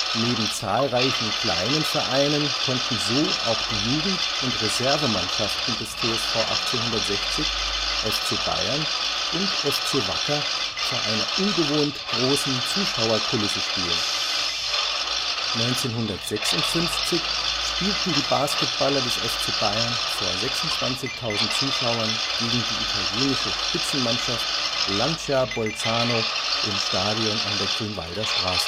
Neben zahlreichen kleinen Vereinen konnten so auch die Jugend - und Reservemannschaften des TSV 1860, FC Bayern und FC Wacker vor einer ungewohnt großen Zuschauerkulisse spielen. 1956 spielten die Basketballer des FC Bayern vor 26.000 Zuschauern gegen die italienische Spitzenmannschaft Lancia Bolzano im Stadion an der Grünwalder Straße